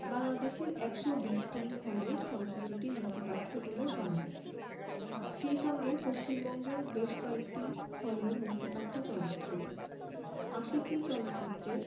বাংলাদেশের ১২০টি হলে চলচ্চিত্রটি মুক্তি পাচ্ছে বলে জানা গেছে সেই সঙ্গে পশ্চিমবঙ্গের বেশ কয়েকটি হলেও মুক্তি পাবে চলচ্চিত্রটি আশিকী চলচ্চিত্রের